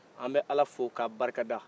an bɛ ala fo k'a barikada